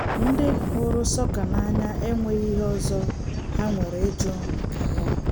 Ndị hụrụ sọka n'anya enweghị ihe ọzọ ha nwere ịjụ maka ya.